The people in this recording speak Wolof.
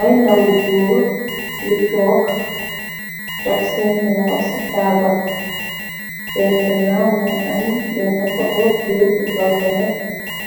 Ay ndawu góur yi took teg seen laxa ci taabal seen gunaaw mungi am lenn foto gór gu sollanet